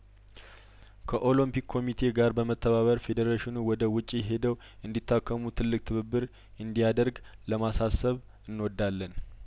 ከኦሎምፒክ ኮሚቴ ጋር በመተባበር ፌዴሬሽኑ ወደ ውጪ ሄደው እንዲታከሙ ትልቅ ትብብር እንዲያደርግ ለማሳሰብ እንወዳለን